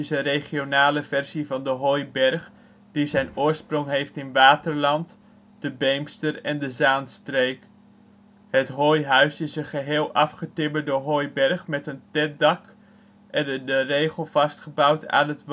regionale versie van de hooiberg die zijn oorsprong heeft in Waterland, de Beemster en de Zaanstreek. Het hooihuis is een geheel afgetimmerde hooiberg met een tentdak en in de regel vastgebouwd aan het woonhuis